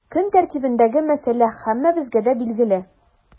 Көн тәртибендәге мәсьәлә һәммәбезгә дә билгеле.